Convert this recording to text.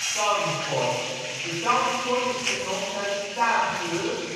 Tawny Port De Tawny Port is genoemd naar de taankleur